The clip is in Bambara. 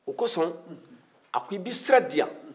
o kosɔn a ko i bɛ siran di yan